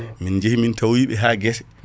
min jeehi min tawoyiɓe ha guesse